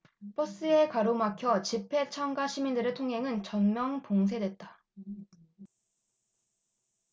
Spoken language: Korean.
버스에 가로막혀 집회 참가 시민들의 통행은 전면 봉쇄됐다